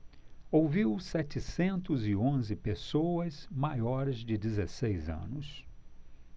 ouviu setecentos e onze pessoas maiores de dezesseis anos